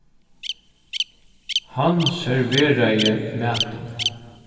hann serveraði matin